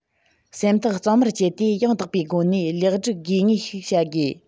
སེམས ཐག གཙང མར བཅད དེ ཡང དག པའི སྒོ ནས ལེགས སྒྲིག དགོས ངེས ཤིག བྱ དགོས